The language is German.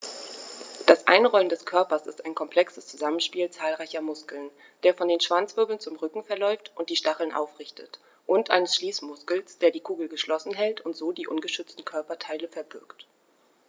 Das Einrollen des Körpers ist ein komplexes Zusammenspiel zahlreicher Muskeln, der von den Schwanzwirbeln zum Rücken verläuft und die Stacheln aufrichtet, und eines Schließmuskels, der die Kugel geschlossen hält und so die ungeschützten Körperteile verbirgt.